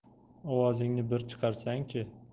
ovozingni bir chiqarsang chi